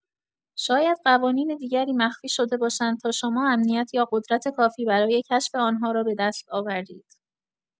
شاید قوانین دیگری مخفی شده باشند تا شما امنیت یا قدرت کافی برای کشف آن‌ها را به دست آورید.